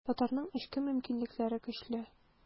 Татарның эчке мөмкинлекләре көчле.